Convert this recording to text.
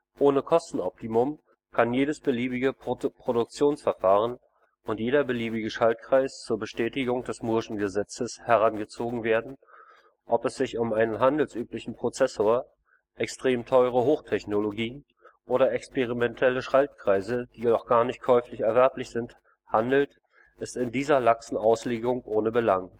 Ohne Kostenoptimum kann jedes beliebige Produktionsverfahren und jeder beliebige Schaltkreis zur Bestätigung des mooreschen Gesetzes herangezogen werden; ob es sich um einen handelsüblichen Prozessor, extrem teure Hochtechnologie oder experimentelle Schaltkreise, die noch gar nicht käuflich erwerblich sind, handelt, ist in dieser laxen Auslegung ohne Belang